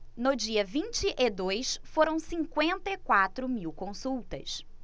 no dia vinte e dois foram cinquenta e quatro mil consultas